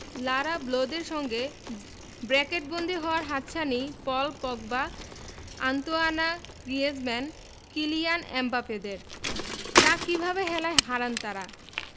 লাঁরা ব্লদের সঙ্গে ব্র্যাকেটবন্দি হওয়ার হাতছানি Paul Pogba Antoine Griezmann Kylian এমবাপ্পেদের তা কিভাবে হেলায় হারান তাঁরা